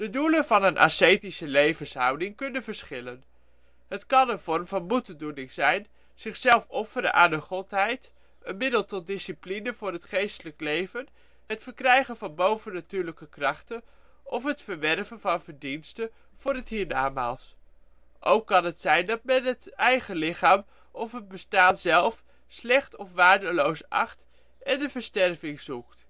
doelen van een ascetische levenshouding kunnen verschillen. Het kan een vorm van boetedoening zijn, zichzelf offeren aan een godheid, een middel tot discipline voor het geestelijk leven, het verkrijgen van bovennatuurlijke krachten of het verwerven van verdienste voor het hiernamaals. Ook kan het zijn dat men het (eigen) lichaam of dit bestaan zelf slecht of waardeloos acht en de versterving zoekt